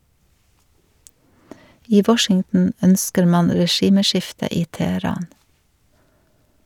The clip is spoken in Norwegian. I Washington ønsker man regimeskifte i Teheran.